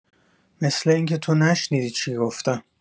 مثل اینکه تو نشنیدی چی گفتم.